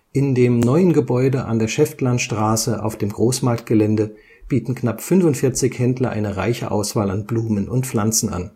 In dem neuen Gebäude an der Schäftlarnstraße auf dem Großmarktgelände bieten knapp 45 Händler eine reiche Auswahl an Blumen und Pflanzen an